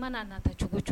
Mana na cogo cogo